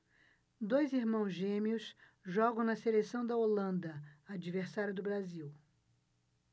dois irmãos gêmeos jogam na seleção da holanda adversária do brasil